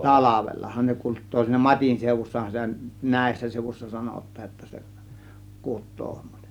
talvellahan ne kutee siinä matin seudussahan sitä näissä seudussa sanotaan jotta se kutee